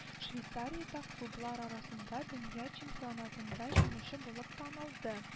Швейцариядә клублар арасындагы дөнья чемпионатында җиңүче булып танылды